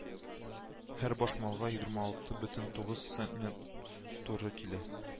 Һәр баш малга егерме алты бөтен тугыз центнер туры килә